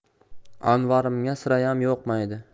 anvarimga sirayam yoqmaydi